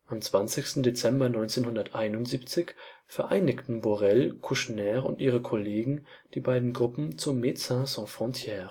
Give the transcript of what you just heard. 20. Dezember 1971 vereinigten Borel, Kouchner und ihre Kollegen die beiden Gruppen zu Médecins Sans Frontières